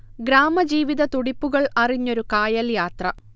ഗ്രാമജീവിത തുടിപ്പുകൾ അറിഞ്ഞൊരു കായൽ യാത്ര